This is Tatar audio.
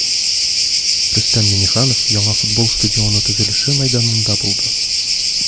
Рөстәм Миңнеханов яңа футбол стадионы төзелеше мәйданында булды.